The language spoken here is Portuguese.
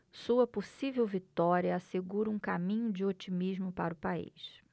sua possível vitória assegura um caminho de otimismo para o país